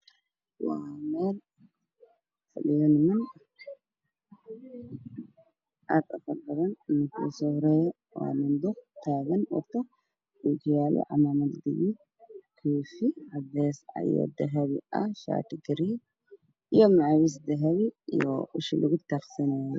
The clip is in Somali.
Meshaan waxaa maraayo arday wadato baaskiil